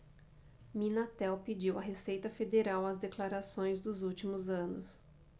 minatel pediu à receita federal as declarações dos últimos anos